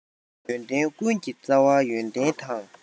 ཡོན ཏན ཀུན གྱི རྩ བ ཡོན ཏན དང